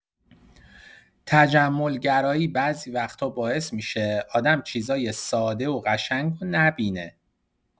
تجمل‌گرایی بعضی وقتا باعث می‌شه آدم چیزای ساده و قشنگ رو نبینه.